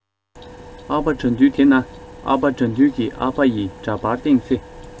ཨ ཕ དགྲ འདུལ དེ ན ཨ ཕ དགྲ འདུལ གྱི ཨ ཕ ཡི འདྲ པར སྟེང ཚེ